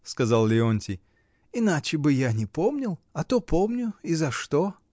— сказал Леонтий, — иначе бы я не помнил, а то помню, и за что.